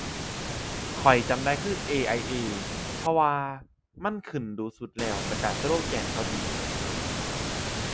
ข้อยจำได้คือ AIA เพราะว่ามันขึ้นดู๋สุดแล้ว แล้วก็สโลแกนเขาดี